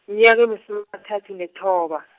mnyaka masu-, -athathu nethoba.